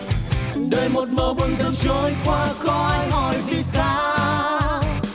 đời một màu buồn dần trôi qua có ai hỏi vì sao